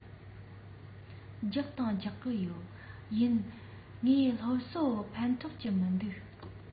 རྒྱག དང རྒྱག གི ཡོད ཡིན ནའི ངའི སློབ གསོས ཕན ཐོགས ཀྱི མི འདུག